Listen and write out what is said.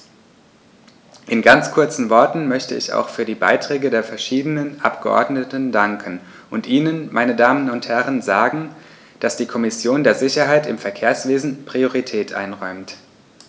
In ganz kurzen Worten möchte ich auch für die Beiträge der verschiedenen Abgeordneten danken und Ihnen, meine Damen und Herren, sagen, dass die Kommission der Sicherheit im Verkehrswesen Priorität einräumt.